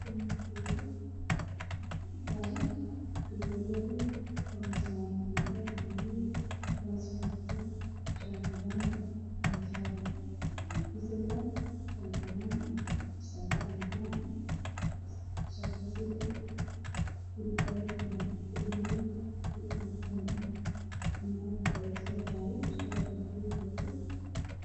Meeshaan waxaa ka muuqdo dumar saaran meel oo wato sedex maro kor u hayaan